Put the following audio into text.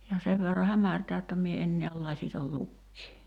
ja sen verran hämärtää jotta minä en näe lasitta lukea